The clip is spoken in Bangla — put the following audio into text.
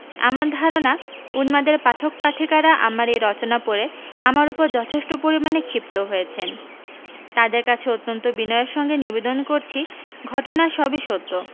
আমার ধারণা উন্মাদের পাঠক পাঠিকার আমার এই রচনা পড়ে আমার উপর যথেষ্ট পরিমাণে ক্ষিপ্ত হয়েছেন তাঁদের কাছে অত্যন্ত বিনয়ের সঙ্গে নিবেদন করছি ঘটনা সবই সত্য